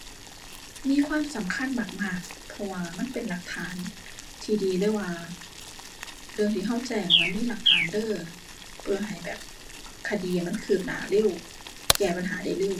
มีความสำคัญมากมาก เพราะว่ามันเป็นหลักฐานที่ดีเลยว่า เรื่องที่เราแจ้งมันมีหลักฐานเด้อ เพื่อให้แบบคดีมันคืบหน้าเร็ว แก้ปัญหาได้เร็ว